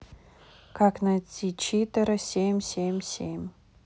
как найти читера семь семь семь